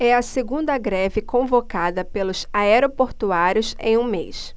é a segunda greve convocada pelos aeroportuários em um mês